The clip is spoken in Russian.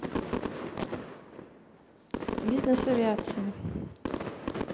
бизнес авиация